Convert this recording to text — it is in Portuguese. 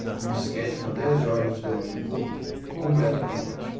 um disquete com dez jogos de domínio público completa o pacote